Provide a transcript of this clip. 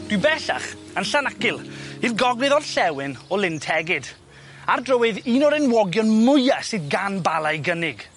Dwi bellach yn Llanacil i'r gogledd orllewin o Lyn Tegid ar drywydd un o'r enwogion mwya sydd gan Bala i gynnig.